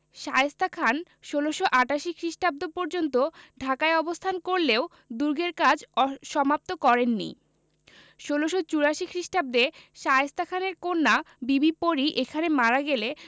শায়েস্তা খান ১৬৮৮ খ্রিস্টাব্দ পর্যন্ত ঢাকায় অবস্থান করলেও দুর্গের কাজ সমাপ্ত করেন নি ১৬৮৪ খ্রিস্টাব্দে শায়েস্তা খানের কন্যা বিবি পরী এখানে মারা গেলে